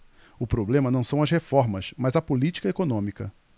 o problema não são as reformas mas a política econômica